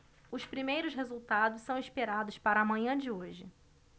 os primeiros resultados são esperados para a manhã de hoje